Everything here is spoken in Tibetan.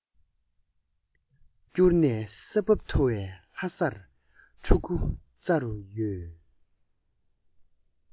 བསྐྱུར ནས ས བབས མཐོ བའི ལྷ སར ཕྲུ གུ བཙའ རུ འགྲོ བར